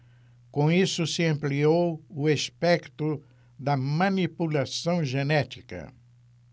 com isso se ampliou o espectro da manipulação genética